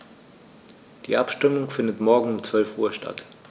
Die Abstimmung findet morgen um 12.00 Uhr statt.